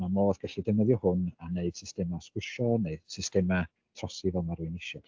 Mae modd gallu defnyddio hwn a wneud systemau sgwrsio neu systemau trosi fel mae rywun isio